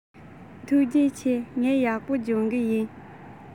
ཐུགས རྗེ ཆེ ངས ཡག པོ སྦྱོང གི ཡིན